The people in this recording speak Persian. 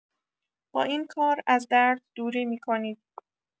با این کار از درد دوری می‌کنید.